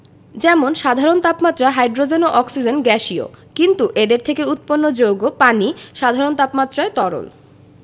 যেমন সাধারণ তাপমাত্রায় হাইড্রোজেন ও অক্সিজেন গ্যাসীয় কিন্তু এদের থেকে উৎপন্ন যৌগ পানি সাধারণ তাপমাত্রায় তরল